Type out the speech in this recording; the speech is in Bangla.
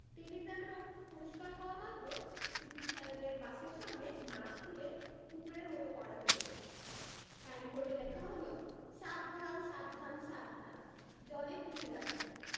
টেলিগ্রামের অর্থ পরিষ্কার হওয়ামাত্র সিদ্দিক সাহেবের বাসার সামনের মাঠ খুঁড়ে পুকুরের মৃত করা হল সাইনবোর্ডে লেখা হল সাবধান সাবধান সাবধান জলে কুমীর আছে